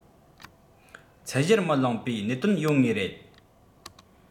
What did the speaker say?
ཚད གཞིར མི ལོངས པའི གནད དོན ཡོད ངེས རེད